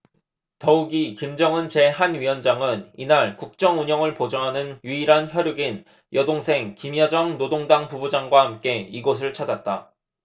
더욱이 김정은 제 한 위원장은 이날 국정운영을 보좌하는 유일한 혈육인 여동생 김여정 노동당 부부장과 함께 이곳을 찾았다